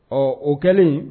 Ɔ o kɛlen